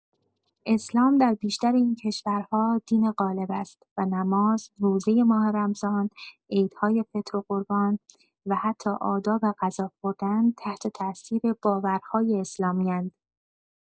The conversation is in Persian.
اسلام در بیشتر این کشورها دین غالب است و نماز، روزه ماه رمضان، عیدهای فطر و قربان و حتی آداب غذا خوردن تحت‌تأثیر باورهای اسلامی‌اند.